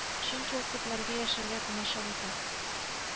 Чөнки ул күпләргә яшәргә комачау итә